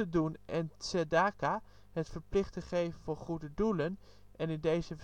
doen en tsedaka, het verplichte geven voor goede doelen (en in deze